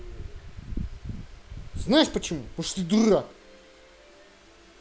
знаешь почему потому что ты дурак